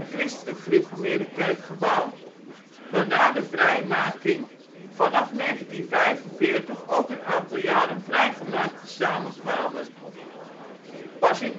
christelijk-gereformeerde kerk gebouwd, waar na de vrijmaking vanaf 1945 ook een aantal jaren vrijgemaakten samenkwamen. Pas